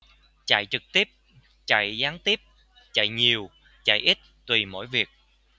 chạy trực tiếp chạy gián tiếp chạy nhiều chạy ít tùy mỗi việc